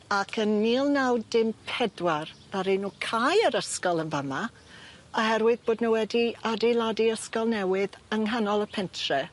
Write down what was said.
Ac yn mil naw dim pedwar ddaru nw cau yr ysgol yn fa' 'ma oherwydd bod nw wedi adeiladu ysgol newydd yng nghanol y pentre.